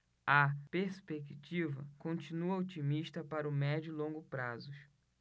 a perspectiva continua otimista para o médio e longo prazos